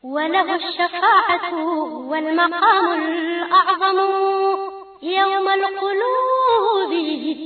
Wa wa ɲa